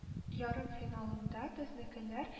Ярымфиналында безнекеләр